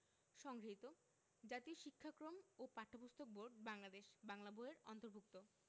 সংগৃহীত জাতীয় শিক্ষাক্রম ও পাঠ্যপুস্তক বোর্ড বাংলাদেশ বাংলা বই এর অন্তর্ভুক্ত